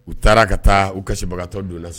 U taara ka taa u kasibagatɔ don la